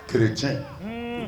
Kerecin. Unh